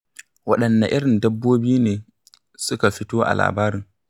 Waɗanne irin dabbobi ne suka fito a labarin?,